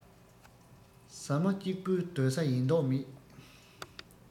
ཟ མ གཅིག པོའི སྡོད ས ཡིན མདོག མེད